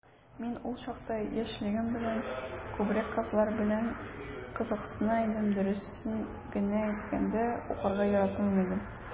Мин ул чакта, яшьлегем белән, күбрәк кызлар белән кызыксына идем, дөресен генә әйткәндә, укырга яратмый идем...